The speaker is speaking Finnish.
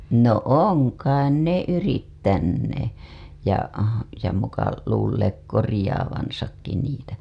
no on kai ne yrittäneet ja ja muka luulleet korjaavansakin niitä